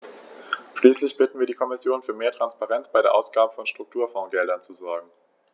Schließlich bitten wir die Kommission, für mehr Transparenz bei der Ausgabe von Strukturfondsgeldern zu sorgen.